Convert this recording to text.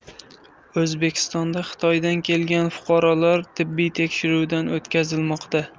o'zbekistonda xitoydan kelgan fuqarolar tibbiy tekshiruvdan o'tkazilmoqda